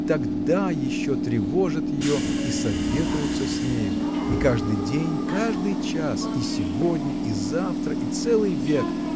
и тогда еще тревожат ее и советуются с нею. И каждый день каждый час и сегодня и завтра и целый век